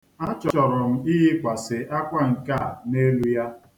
Achọrọ m iyikwasị akwa nke a n'elu ya.